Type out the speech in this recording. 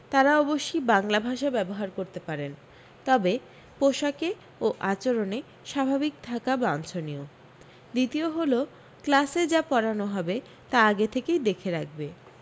তারা অবশ্যি বাংলা ভাষা ব্যবহার করতে পারেন তবে পোষাকে ও আচরণে স্বাভাবিক থাকা বাঞ্ছনীয় দ্বিতীয় হল ক্লাসে যা পড়ানো হবে তা আগে থেকেই দেখে রাখবে